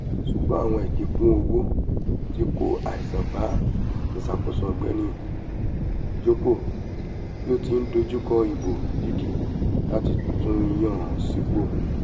Súgbọ̀n àwọn ẹ̀dínkù owó ti kó àìsàn bá ìṣàkóso ọ̀gbẹ́ni Joko bí ó ti ń dojúkọ ìbò dídì láti tún yàn an sípò.